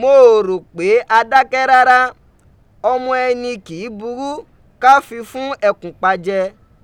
Mo o ro pe a dakẹ rara, ọmọ ẹni kii buru ka fi fun ẹkun pa jẹ.